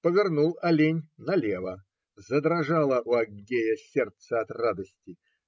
Повернул олень налево; задрожало у Аггея сердце от радости.